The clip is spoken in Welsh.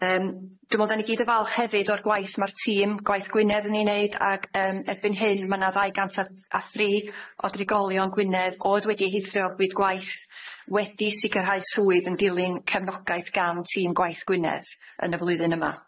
Yym dwi me'wl 'dan ni gyd yn falch hefyd o'r gwaith ma'r tîm gwaith Gwynedd yn ei neud ag yym erbyn hyn ma' 'na ddau gant a a thri o drigolion Gwynedd o'dd wedi hithro o byd gwaith wedi sicirhau swydd yn dilyn cefnogaeth gan tîm gwaith Gwynedd yn y flwyddyn yma.